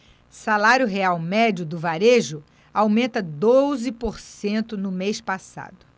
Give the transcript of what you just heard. salário real médio do varejo aumenta doze por cento no mês passado